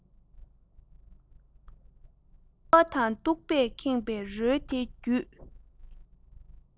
ལྕི བ དང སྟུག པས ཁེངས པའི རོལ དེ བརྒྱུད